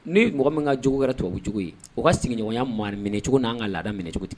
Ni mɔgɔ min ka jogo kɛra tubabu jogo ye,o ka sigiɲɔgɔnya maa minɛcogo n'an ka laada minɛ cogo tɛ k